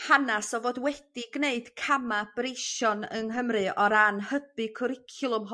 hanas o fod wedi gwneud cama' breision yng Nghymru o ran hybu cwricwlwm